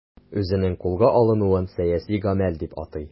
Үзенең кулга алынуын сәяси гамәл дип атый.